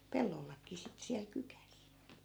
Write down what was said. pellollakin sitten siellä kykässä